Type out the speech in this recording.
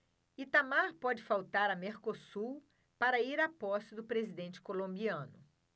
itamar pode faltar a mercosul para ir à posse do presidente colombiano